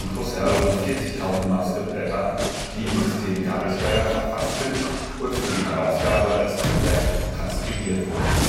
Husserl rund 40.000 Manuskriptblätter, die im System Gabelsberger verfasst sind und für die Herausgabe als Druckwerk transkribiert wurden